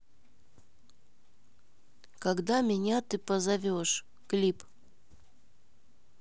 когда меня ты позовешь клип